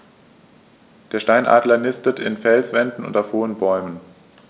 Der Steinadler nistet in Felswänden und auf hohen Bäumen.